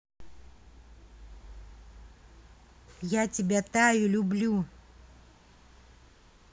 я тебя таю люблю